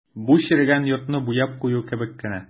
Бу черегән йортны буяп кую кебек кенә.